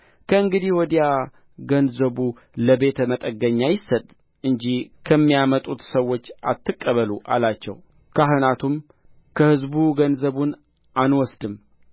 ከእንግዲህ ወዲያ ገንዘቡ ለቤቱ መጠገኛ ይሰጥ እንጂ ከሚያመጡት ሰዎች አትቀበሉ አላቸው ካህናቱም ከሕዝቡ ገንዘቡን አንወስድም